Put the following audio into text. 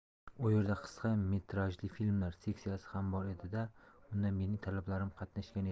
u yerda qisqa metrajli filmlar seksiyasi ham bor edi da unda mening talabalarim qatnashgan edi